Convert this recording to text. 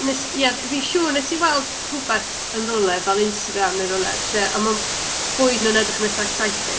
Wnes, ie f- fi'n siŵr, wnes i weld rhywbeth yn rywle fel Instagram neu hywle, lle... a mae m- bwyd nhw'n edrych yn eitha exciting.